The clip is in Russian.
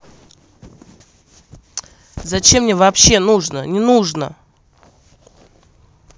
зачем мне вообще нужно ненужно